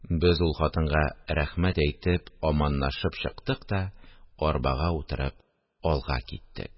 Без ул хатынга рәхмәт әйтеп аманлашып чыктык та арбага утырып алга киттек